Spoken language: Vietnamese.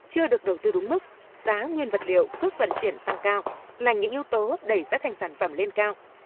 chưa được đầu tư đúng mức giá nguyên vật liệu cước vận chuyển tăng cao là những yếu tố đẩy giá thành sản phẩm lên cao